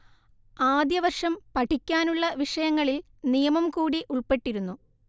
ആദ്യവർഷം പഠിക്കാനുള്ള വിഷയങ്ങളിൽ നിയമം കൂടി ഉൾപ്പെട്ടിരുന്നു